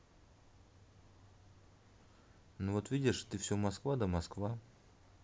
ну вот видишь ты все москва да москва